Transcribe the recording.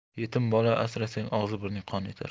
yetim bola asrasang og'zi burning qon etar